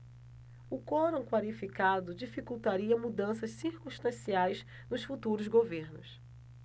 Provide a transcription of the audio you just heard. o quorum qualificado dificultaria mudanças circunstanciais nos futuros governos